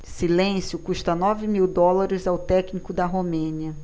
silêncio custa nove mil dólares ao técnico da romênia